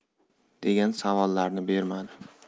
degan savollarni bermadi